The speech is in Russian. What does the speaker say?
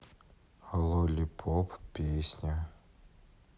лолипоп песня